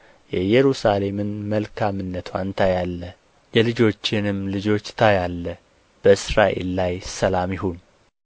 የኢየሩሳሌምን መልካምነትዋን ታያለህ የልጆችህንም ልጆች ታያለህ በእስራኤል ላይ ሰላም ይሁን